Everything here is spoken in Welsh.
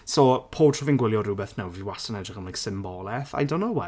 So pob tro fi'n gwylio rhywbeth nawr fi wastad yn edrych am like symboleth. I don't know why.